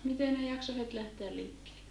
miten ne jaksoi heti lähteä liikkeelle